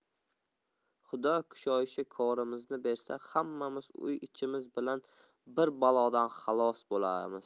xudo kushoyishi korimizni bersa hammamiz uy ichimiz bilan bir balodan xalos bo'lamiz